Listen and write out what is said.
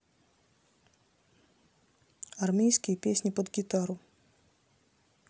армейские песни под гитару